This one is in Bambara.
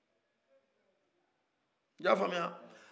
i y' a faamuya